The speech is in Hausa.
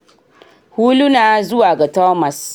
Huluna zuwa ga Thomas.